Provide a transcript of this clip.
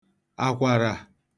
àkwụ̀nà